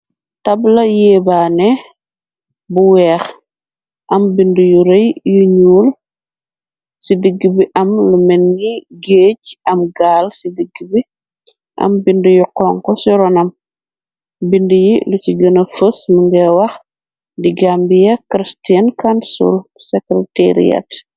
Tabla yéébane bu wèèx am bindi yu rëy yu ñuul ci digg bi am lu melni gééj am gaal ci digg bi am bindi yu xonxu ci ronam bindi yi lu ci gëna fas mi ngi wax di Gambia Kristian kansul seketrian.